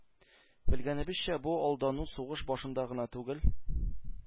Белгәнебезчә, бу алдану сугыш башында гына түгел,